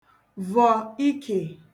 vọ̀ ikè